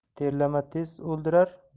terlama tez o'ldirar